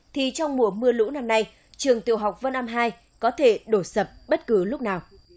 thì trong mùa mưa lũ năm nay trường tiểu học vân am hai có thể đổ sập bất cứ lúc nào